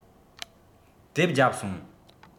རྡེབ རྒྱབ སོང